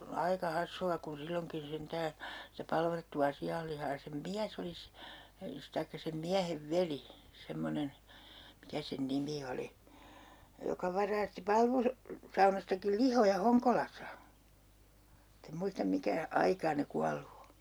aika hassua kun silloinkin sentään sitä palvattua sianlihaa ja sen mies oli - tai sen miehen veli semmoinen mikä sen nimi oli joka varasti - palvusaunastakin lihoja Honkolassa mutta en muista mikä aikaa ne kuollut on